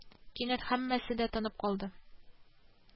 Кинәт һәммасе дә тынып калды